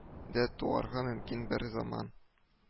Дә туарга мөмкин бер заман